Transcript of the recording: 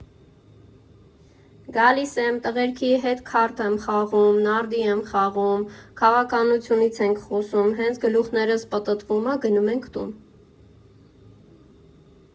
Գալիս եմ, տղերքի հետ քարտ եմ խաղում, նարդի եմ խաղում, քաղաքականությունից եմ խոսում, հենց գլուխներս պտտվում ա գնում ենք տուն։